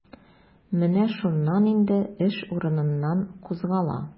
Менә шуннан инде эш урыныннан кузгала.